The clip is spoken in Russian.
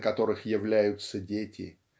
на которых являются дети.